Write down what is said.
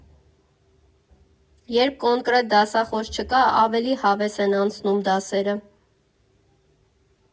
«Երբ կոնկրետ դասախոս չկա, ավելի հավես են անցնում դասերը։